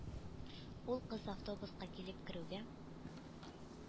Ул кыз автобуска килеп керүгә